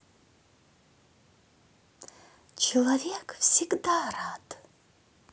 человек всегда рад